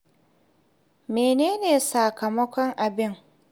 Menene sakamakon abin?